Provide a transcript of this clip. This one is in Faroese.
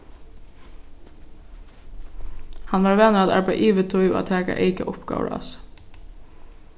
hann var vanur at arbeiða yvirtíð og at taka eyka uppgávur á seg